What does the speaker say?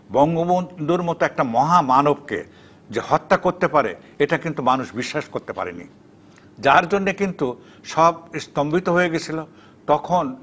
বঙ্গবন্ধুর মতন একটা মহামানব কে যে হত্যা করতে পারে এটা কিন্তু মানুষ বিশ্বাস করে নি যার জন্য কিন্তু সব স্তম্ভিত হয়ে গেছিল তখন